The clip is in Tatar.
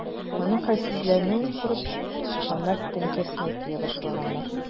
Моның хәлсезләнүен күреп, тычканнар теңкәсенә тия башлаганнар.